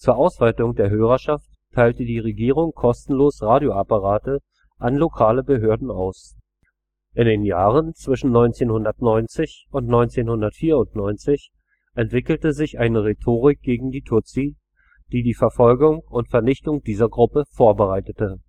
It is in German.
Ausweitung der Hörerschaft teilte die Regierung kostenlos Radioapparate an lokale Behörden aus. In den Jahren zwischen 1990 und 1994 entwickelte sich eine Rhetorik gegen die Tutsi, die die Verfolgung und Vernichtung dieser Gruppe vorbereitete